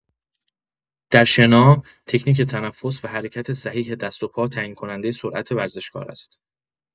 در شنا، تکنیک تنفس و حرکت صحیح دست و پا تعیین‌کننده سرعت ورزشکار است.